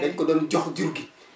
dañu ko doon jox jur gi